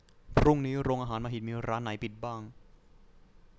พรุ่งนี้โรงอาหารมหิตมีร้านไหนปิดบ้าง